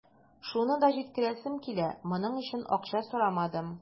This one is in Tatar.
Шуны да җиткерәсем килә: моның өчен акча сорамадым.